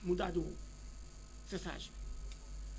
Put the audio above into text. mu daal di wow séchage